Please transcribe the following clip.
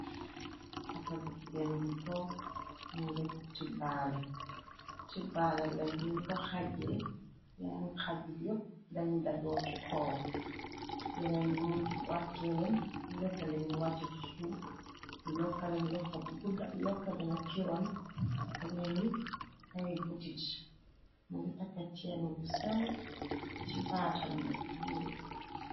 Takabu jigeen bu toog manga tu tibbaale tibbaale ba luñ ko xaje yeneen xaj dañ dajoo ci koow yeneen mu wàccee leen dileta leen nu wàcce ci suux yokka leen d yokka bina ciroon dafa me ngi tari butit mangi taka ceen gu sew ci baatambi ngi.